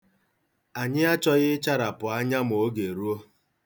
Anyị achọghị ịcharapụ anya ma oge ruo.